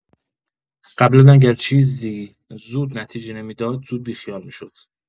قبلا اگر چیزی زود نتیجه نمی‌داد، زود بی‌خیال می‌شد.